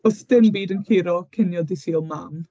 Does dim byd yn curo cinio Dydd Sul mam.